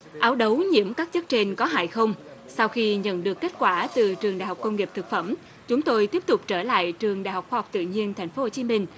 áo đấu nhiễm các chất trên có hại không sau khi nhận được kết quả từ trường đại học công nghiệp thực phẩm chúng tôi tiếp tục trở lại trường đại học khoa học tự nhiên thành phố hồ chí minh